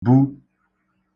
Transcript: bu